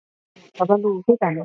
ก็บ่รู้คือกัน